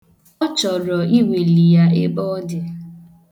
Ọ chọrọ iweli ya ebe ọ dị.